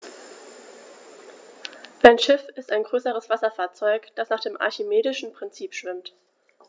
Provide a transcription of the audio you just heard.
Ein Schiff ist ein größeres Wasserfahrzeug, das nach dem archimedischen Prinzip schwimmt.